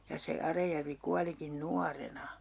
ja se Arajärvi kuolikin nuorena